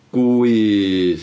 Gwyydd.